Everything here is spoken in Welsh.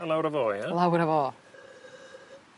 ...a lawr â fo ia? Lawr â fo!